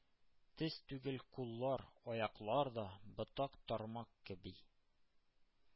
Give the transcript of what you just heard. Төз түгел куллар, аяклар да — ботак-тармак кеби.